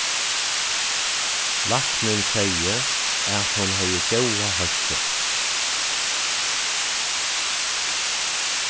læknin segði at hon hevði góða heilsu